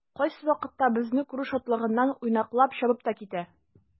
Кайсы вакытта безне күрү шатлыгыннан уйнаклап чабып та китә.